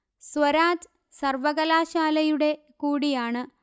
സ്വരാജ് സർവകലാശാലയുടെ കൂടിയാണ്